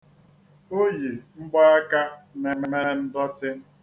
O yi mgbaaka na-eme ndọtị.